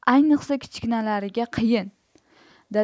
ayniqsa kichkinalarga qiyin